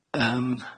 Yym.